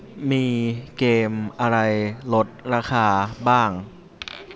มีเกมอะไรลดราคาบ้าง